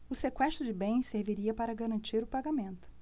o sequestro de bens serviria para garantir o pagamento